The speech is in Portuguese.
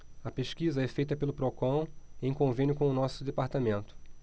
a pesquisa é feita pelo procon em convênio com o diese